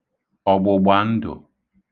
ọ̀gbụ̀gbàndụ̀